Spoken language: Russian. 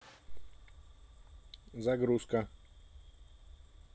загрузка